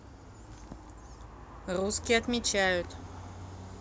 русские отмечают